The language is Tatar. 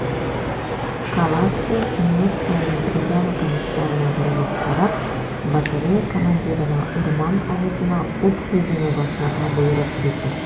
Каладзе, минут саен бригада комиссарына борылып карап, батарея командирына урман авызына ут һөҗүме башларга боерык бирде.